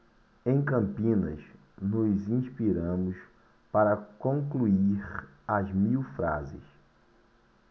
em campinas nos inspiramos para concluir as mil frases